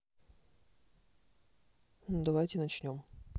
ну давайте начнем